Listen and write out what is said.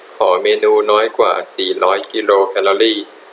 ขอเมนูน้อยกว่าสี่ร้อยกิโลแคลอรี่